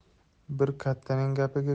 bir kattaning gapiga